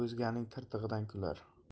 o'zganing tirtig'idan kular